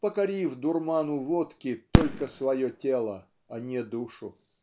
покорив дурману водки только свое тело а не душу.